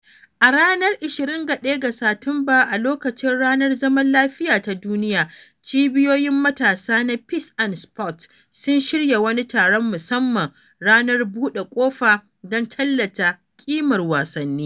A ranar 21 ga Satumba, a lokacin Ranar Zaman Lafiya ta Duniya, cibiyoyin matasa na Peace and Sport sun shirya wani taron musamman, Ranar Buɗe Ƙofa, don tallata ƙimar wasanni.